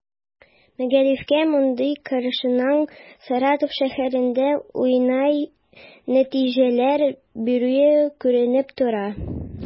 Мәгарифкә мондый карашның Саратов шәһәрендә уңай нәтиҗәләр бирүе күренеп тора.